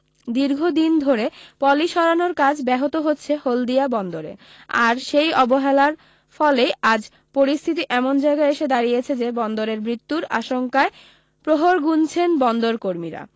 দীর্ঘ দিন ধরেই পলি সরানোর কাজ ব্যাহত হচ্ছে হলদিয়া বন্দরে আর সেই অবহেলার ফলেই আজ পরিস্থিতি এমন জায়গায় এসে দাঁড়িয়েছে যে বন্দরের মৃত্যুর আশঙ্কায় প্রহর গুনছেন বন্দর কর্মীরা